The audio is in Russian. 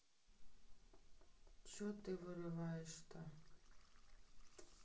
че ты вырываешь то